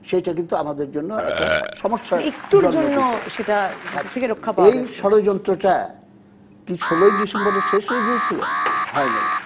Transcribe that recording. সেটা কিন্তু আমাদের জন্য একটা সমস্যা একটুর জন্য সেটা থেকে রক্ষা পাওয়া গেছে এই ষড়যন্ত্র টা কি ১৬ ই ডিসেম্বর শেষ হয়ে গিয়েছিল হয় নাই